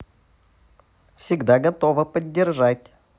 всегда готова поддержать